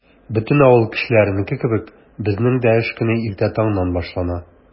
Бөтен авыл кешеләренеке кебек, безнең дә эш көне иртә таңнан башлана.